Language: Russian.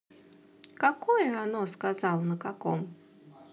какое оно сказал на каком